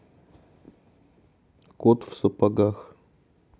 кот в сапогах